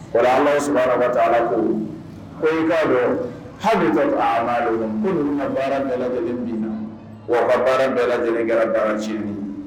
Wala an su taa la ko ko in k'a dɔn halidu don ko ka baara bɛɛ lajɛlen min na wa ka baara bɛɛ lajɛlen kɛra baara ciinin